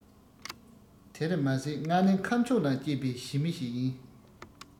དེར མ ཟད ང ནི ཁམས ཕྱོགས ན སྐྱེས པའི ཞི མི ཞིག ཡིན